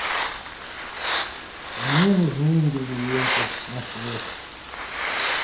мне нужны ингредиенты на шесть порций